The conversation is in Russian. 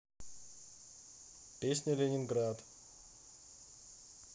песня ленинград